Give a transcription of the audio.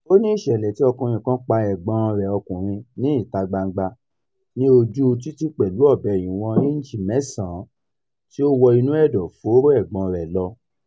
Ó ní ìṣẹ̀lẹ̀ tí ọkùnrin kan pa ẹ̀gbọ́n-ọn rẹ̀ ọkùnrin ní ìta gbangba ní ojúu títì pẹ̀lú ọbẹ̀ ìwọ̀n ínṣì mẹ́sàn-án tí ó wọ inú ẹ̀dọ̀ fóró ẹ̀gbọ́n-ọn rẹ̀ lọ.